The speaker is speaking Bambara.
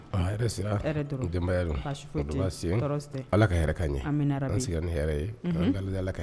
Baa hɛrɛ sira hɛrɛ dɔrɔn denbaya dun baasi foyi te ye kodi baasi te ye tɔɔrɔ si tɛ Ala ka hɛrɛ k'an ɲe amina yarabi an sigira ni hɛrɛ ye unhun an be Ala deli Ala ka